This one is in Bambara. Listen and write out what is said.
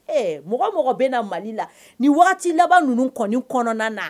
Ɛɛ mɔgɔ mɔgɔ bɛ na mali la ni waati wagati laban ninnu kɔni kɔnɔna na